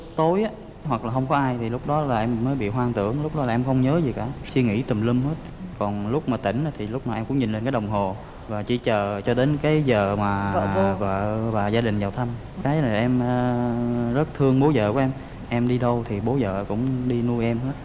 tối hoặc là không có ai thì lúc đó là em mới bị hoang tưởng lúc đó là em không nhớ gì có suy nghĩ tùm lum hết còn lúc mà tỉnh thì lúc nào cũng nhìn lên cái đồng hồ và chỉ chờ cho đến cái giờ mà vợ vợ và gia đình vào thăm cái này em rất thương bố vợ của em em đi đâu thì bố vợ cũng đi nuôi em hết